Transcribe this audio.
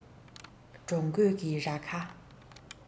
འབྲོང རྒོད ཀྱི རྭ ཁ